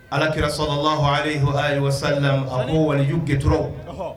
Alakira sɔnma ma haa wa walijuu gɛntura